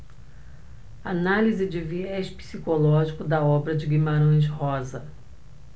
análise de viés psicológico da obra de guimarães rosa